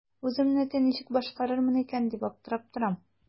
Үземнекен ничек башкарырмын икән дип аптырап торам.